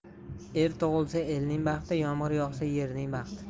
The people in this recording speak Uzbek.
er tug'ilsa elning baxti yomg'ir yog'sa yerning baxti